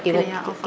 clients of